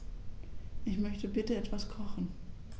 Ich möchte bitte etwas kochen.